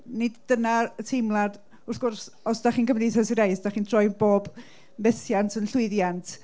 Nid dyna'r teimlad... wrth gwrs, os dach chi'n Cymdeithas yr Iaith dach chi'n troi pob methiant yn llwyddiant.